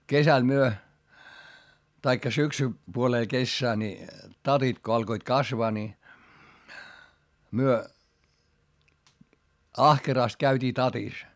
kesällä me tai - syksypuoleen kesää niin tatit kun alkoivat kasvaa niin me ahkerasti käytiin tatissa